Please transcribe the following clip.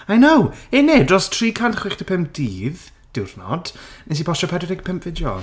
I know! Innit! Dros tri cant chwech deg pump dydd diwrnod. Wnes i postio pedwar deg pump fideo.